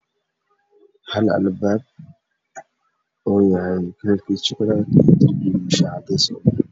Waa hal albaab oo kalarkiisu uu yahay jukuleed ama shaax cadeys.